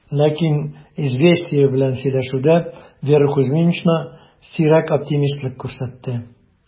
Ләкин "Известия" белән сөйләшүдә Вера Кузьминична сирәк оптимистлык күрсәтте: